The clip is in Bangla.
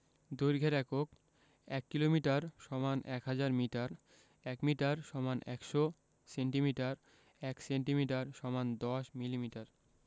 দৈর্ঘ্যের এককঃ ১ kilometre = ১০০০ metre ১ metre = ১০০ centimetre ১ centimetre = ১০ millimetre